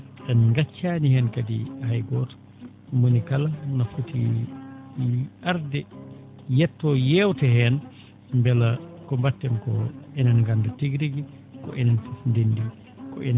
en ngaccaani heen kadi hay gooto mo woni kala no foti arde yettoo yeewta heen mbela ko mbatten ko enen ngannda tigi rigi ko enen fof ndenndi